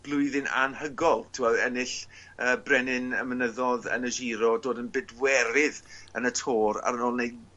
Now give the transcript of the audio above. blwyddyn anhygol t'wod ennill yy brenin y mynyddo'dd yn y Giro dod yn bedwerydd yn y Tour ar ôl neud